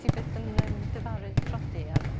Ti byth yn yy, difaru prodi ar...